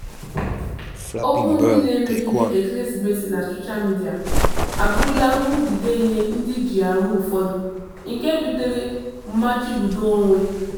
Okwu ndị na-emegide ekeresimesi na soshal midịa abụrụla nrụgide nye ndị njiarụ ụfọdụ nke buture mmachibido onwe.